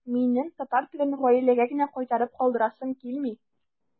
Минем татар телен гаиләгә генә кайтарып калдырасым килми.